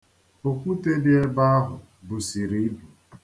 Okwute dị ebe ahụ busiri ibu.